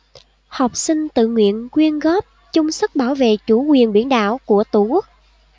học sinh tự nguyện quyên góp chung sức bảo vệ chủ quyền biển đảo của tổ quốc